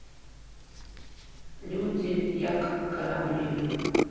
люди як корабли